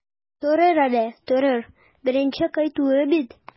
Торыр әле, торыр, беренче кайтуы бит.